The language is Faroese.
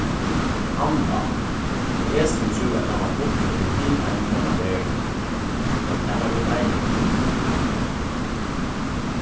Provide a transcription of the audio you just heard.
allan og eg sum trúði at hann var fluttur til hin endan av verðini men tað var nú deiligt at síggja hann